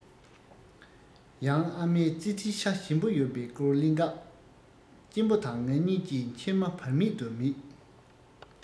ཡང ཨ མས ཙི ཙིའི ཤ ཞིམ པོ ཡོད པའི སྐོར གླེང སྐབས གཅེན པོ དང ང གཉིས ཀྱིས མཆིལ མ བར མེད དུ མིད